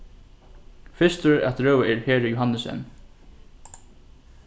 fyrstur at røða er heri johannesen